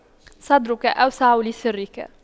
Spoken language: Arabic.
صدرك أوسع لسرك